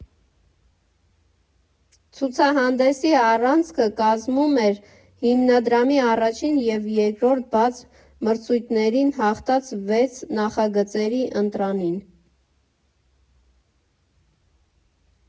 Ցուցահանդեսի առանցքը կազմում էր հիմնադրամի առաջին և երկրորդ բաց մրցույթներին հաղթած վեց նախագծերի ընտրանին։